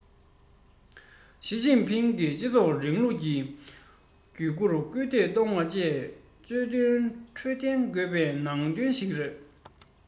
ཞིས ཅིན ཕིང གིས སྤྱི ཚོགས རིང ལུགས ཀྱི འགྱུར རྒྱུར སྐུལ འདེད གཏོང བའི བརྗོད དོན ཁྲོད ལྡན དགོས པའི ནང དོན ཞིག རེད